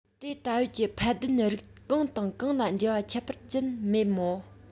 དེ ད ཡོད ཀྱི ཕད ལྡན རིགས གང དང གང ལ འབྲེལ བ ཁྱད པར ཅན མེད མོད